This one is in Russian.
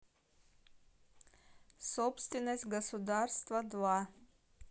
собственность государства два